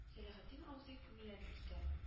Сәләхетдин абзый күңелләнеп китә